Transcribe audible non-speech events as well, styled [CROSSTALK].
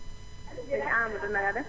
[CROSSTALK] sëñ amady na nga def